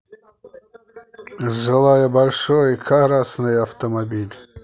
желаю большой красный автомобиль